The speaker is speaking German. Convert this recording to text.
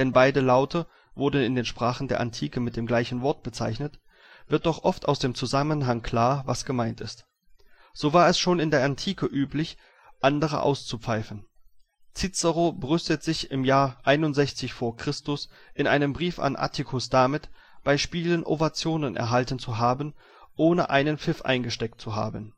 beide Laute wurden in den Sprachen der Antike mit dem gleichen Wort bezeichnet), wird doch oft aus dem Zusammenhang klar, was gemeint ist. So war es schon in der Antike üblich, andere auszupfeifen: Cicero brüstet sich im Jahr 61 v. Chr. in einem Brief an Atticus damit, bei Spielen Ovationen erhalten zu haben, ohne einen Pfiff eingesteckt zu haben